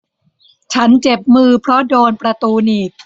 ฉันเจ็บมือเพราะโดนประตูหนีบ